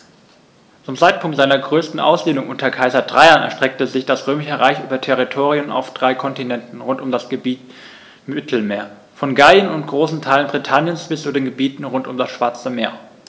Zum Zeitpunkt seiner größten Ausdehnung unter Kaiser Trajan erstreckte sich das Römische Reich über Territorien auf drei Kontinenten rund um das Mittelmeer: Von Gallien und großen Teilen Britanniens bis zu den Gebieten rund um das Schwarze Meer.